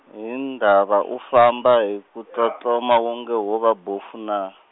hi ndhava u famba hi ku tlotloma wonge wo va bofu naa?